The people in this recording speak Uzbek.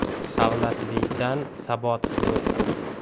savlatlidan saboth zo'r